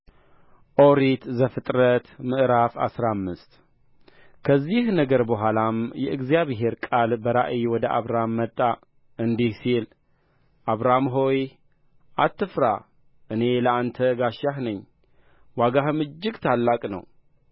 ኦሪት ዘፍጥረት ምዕራፍ አስራ አምስት ከዚህ ነገር በኋላም የእግዚአብሔር ቃል በራእይ ወደ አብራም መጣ እንዲህ ሲል አብራም ሆይ አትፍራ እኔ ለአንተ ጋሻህ ነኝ ዋጋህም እጅግ ታላቅ ነው